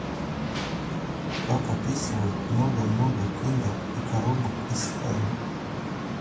как описывают много много киндер и коробок из слайма